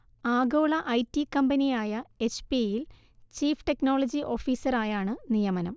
ആഗോള IT കമ്പനിയായ HP യിൽ ചീഫ് ടെക്നോളജി ഓഫീസറായാണ് നിയമനം